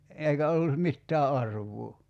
eikä ollut mitään arvoa